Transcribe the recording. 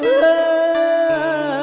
ơ